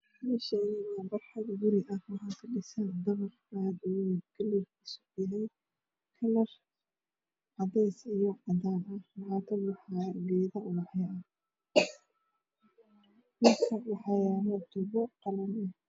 Meeshaan waa barxad guri ah waxaa kadhisan dabaq kalarkiisu waa cadaan iyo cadeys waxaa kamuuqdo geedo ubaxyo ah. Dhexda waxaa yaalo tubo qalin ah.